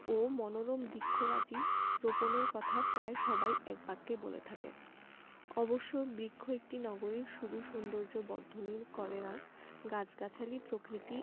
ও মনোরম বৃক্ষরাজি রোপণের কথা প্রায় সবাই একবাক্যে বলে থাকেন অবশ্য বৃক্ষ একটি নগরীর শুধু সৌন্দর্যবর্ধনই করে না গাছগাছালি প্রকৃতি